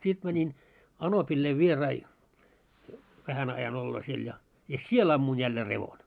sitten - niin anopille vieraita vähän ajan oloon siellä ja ja siellä ammuin jälleen revon